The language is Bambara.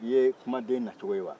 i ye kumaden na cogo ye wa